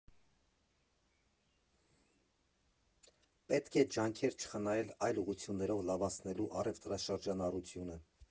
Պետք է ջանքեր չխնայել՝ այլ ուղղություններով լավացնելու առևտրաշրջանառությունը։